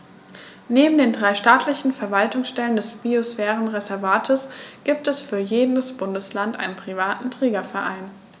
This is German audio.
Neben den drei staatlichen Verwaltungsstellen des Biosphärenreservates gibt es für jedes Bundesland einen privaten Trägerverein.